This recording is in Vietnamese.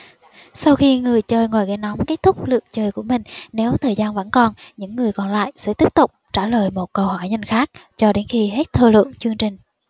sau khi người chơi ngồi ghế nóng kết thúc lượt chơi của mình nếu thời gian vẫn còn những người còn lại sẽ tiếp tục trả lời một câu hỏi nhanh khác cho đến khi hết thời lượng chương trình